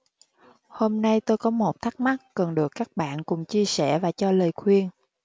hôm nay tôi có một thắc mắc cần được các bạn cùng chia sẻ và cho lời khuyên